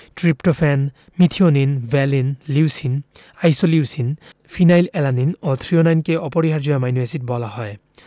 tryptophan methionine valine leucine isoleucine phenyl alanine ও থ্রিওনাইনকে অপরিহার্য অ্যামাইনো এসিড বলা হয়